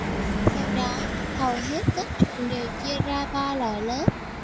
theo đó hầu hết các trường đều chia ra ba loại lớp